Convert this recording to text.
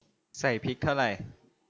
ใส่พริกเท่าไร